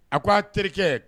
A ko a terikɛ